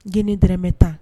Geni dremɛ tan